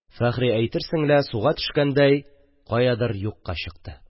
Фәхри әйтерсең лә суга төшкәндәй каядыр юкка чыкты.